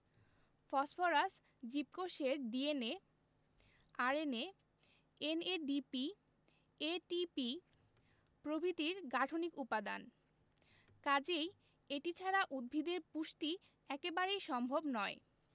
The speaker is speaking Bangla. ফসফরাস জীবকোষের DNA RNA NADP ATP প্রভৃতির গাঠনিক উপাদান কাজেই এটি ছাড়া উদ্ভিদের পুষ্টি একেবারেই সম্ভব নয়